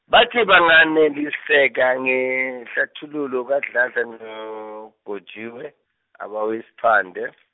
bathi banganeliseka, ngehlathululo kaDladla, noGotjiwe, abawe isiphande.